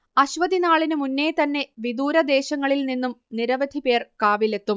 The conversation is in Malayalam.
അശ്വതിനാളിനു മുന്നേ തന്നെ വിദൂരദേശങ്ങളിൽ നിന്നും നിരവധി പേർ കാവിലെത്തും